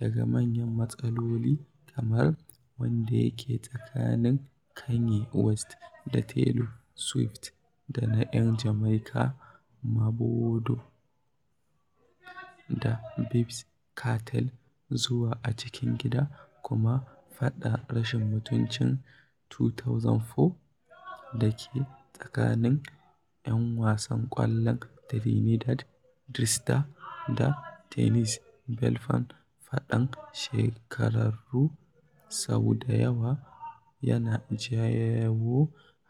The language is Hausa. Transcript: Daga manyan matsaloli kamar wanda yake tsakanin Kanye West da Taylor Swift da na 'yan Jamaica Maɓado da ɓybz Kartel, zuwa na cikin gida kuma faɗan rashin mutunci 2004 da ke tsakanin 'yan wasan ƙwallon Trinidad Dstra da Denise Belfon, faɗan shahararru sau da yawa yana jawo